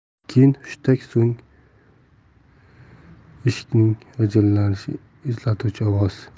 keyin hushtak so'ng eshikning g'ijirlashini eslatuvchi ovoz